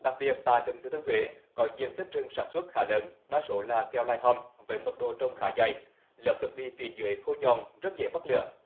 đặc biệt tại tỉnh thừa thiên huế có diện tích rừng sản xuất khá lớn đa số là keo lai hom với mật độ trồng khá dày lớp thực bì phía dưới khô giòn rất dễ bắt lửa